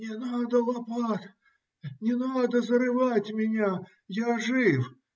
"Не надо лопат, не надо зарывать меня, я жив!"